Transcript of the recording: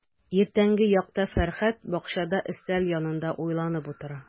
Иртәнге якта Фәрхәт бакчада өстәл янында уйланып утыра.